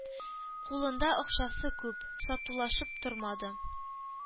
Кулында акчасы күп. Сатулашып тормады.